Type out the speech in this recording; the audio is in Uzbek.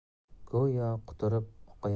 go'yo quturib oqayotgan suvga